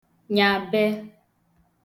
nyàbe